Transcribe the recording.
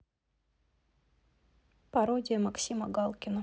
пародия максима галкина